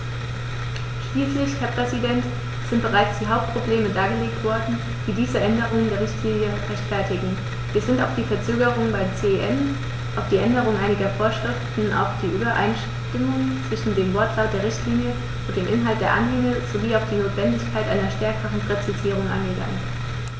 Schließlich, Herr Präsident, sind bereits die Hauptprobleme dargelegt worden, die diese Änderung der Richtlinie rechtfertigen, wir sind auf die Verzögerung beim CEN, auf die Änderung einiger Vorschriften, auf die Übereinstimmung zwischen dem Wortlaut der Richtlinie und dem Inhalt der Anhänge sowie auf die Notwendigkeit einer stärkeren Präzisierung eingegangen.